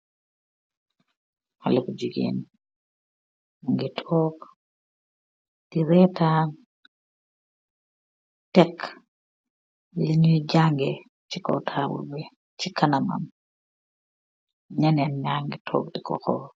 A smiling little girl sitting and she put her learning material on top of a table right in front of her, while her colleagues on the other side are looking at her.